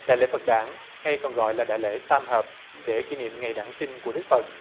đại lễ phật đản hay còn gọi là đại lễ tam hợp để kỷ niệm ngày đản sinh của đức phật